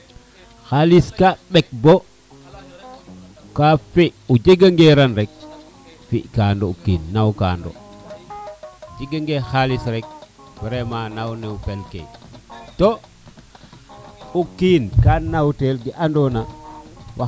xalis ka ɓek bo ka fi o jega ngeran rek fi kana o kiin naw kando jega nge xalis rek vraiment naw ne wo fel ke to o kiin ka nawtel ke ando na